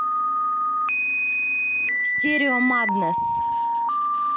стерео маднесс